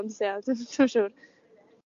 ond ia dwi'm yn siŵr.